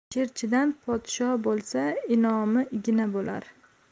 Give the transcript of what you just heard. cherchidan podsho bo'lsa in'omi igna bo'lar